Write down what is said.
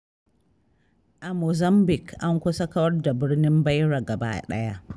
A Mozambique, an kusa kawar da birnin Beira gaba ɗaya.